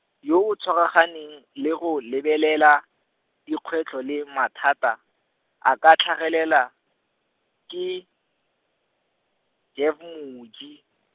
yo o tshwaraganeng le go lebelela, dikgwetlho le mathata, a ka tlhagelelang, ke, Jeff Moji.